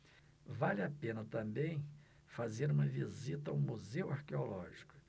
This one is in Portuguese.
vale a pena também fazer uma visita ao museu arqueológico